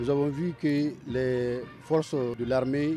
Sabanfin ka fɔsɔ de lareme